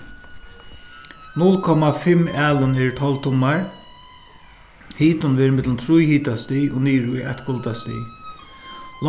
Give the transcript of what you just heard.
null komma fimm alin eru tólv tummar hitin verður millum trý hitastig og niður í eitt kuldastig